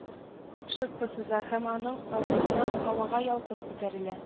Шырпы сыза, һәм аның авызыннан һавага ялкын күтәрелә